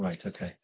Reit, okay.